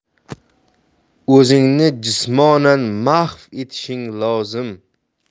o'zingni jismonan mahv etishing lozim